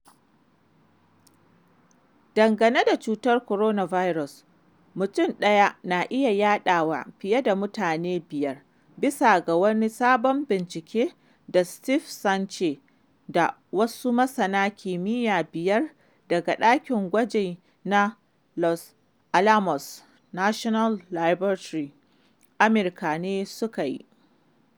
Dangane da cutar coronavirus, mutum ɗaya na iya yaɗa wa fiye da mutane biyar, bisa ga wani sabon bincike da Steven Sanche da wasu masana kimiyya biyar daga ɗakin gwajin na Los Alamos National Laboratory, Amurka ne suka yi.